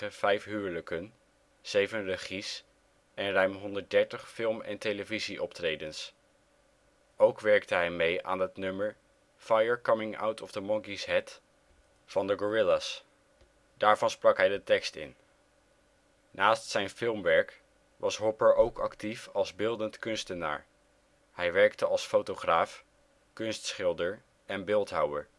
vijf huwelijken, zeven regies en ruim 130 film - en televisieoptredens. Ook werkte hij mee aan het nummer ' Fire Coming Out Of The Monkeys Head ' van de Gorillaz. Daarvan sprak hij de tekst in. Naast zijn filmwerk was Hopper ook actief als beeldend kunstenaar; hij werkte hij als fotograaf, kunstschilder en beeldhouwer